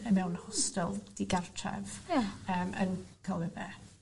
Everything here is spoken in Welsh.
yy mewn hostal digartref. Ia. Yym yn Colwyn bê.